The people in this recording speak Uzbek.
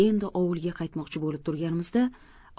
endi ovulga qaytmoq chi bo'lib turganimizda